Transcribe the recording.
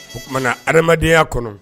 O kuma adamaden ya kɔnɔ.